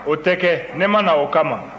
o tɛ kɛ ne ma na a kama